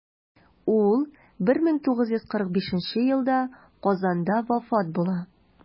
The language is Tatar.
Ул 1945 елда Казанда вафат була.